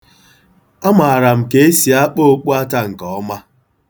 Amaara m ka e si akpa okpuata nke ọma.